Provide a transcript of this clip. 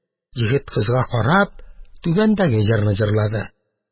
Егет, кызга карап, түбәндәге җырны җырлады: